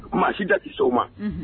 Maa si da tɛ so ma